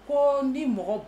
Ko n ni di mɔgɔ